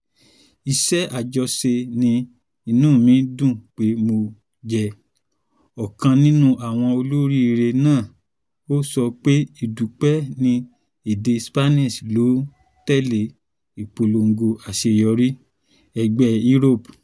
Iṣẹ́ àjọṣẹ ni. Inú mi dùn pé mo jẹ́ ọ̀kan nínú àwọn olóríire náà,” ó sọ pé ìdúpẹ́ ní èdè Spanish ló ń tẹ̀lé ìpòlogo àṣeyọrí ẹgbẹ́ Úróópù.